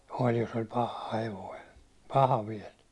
oli jos oli paha hevonen paha vielä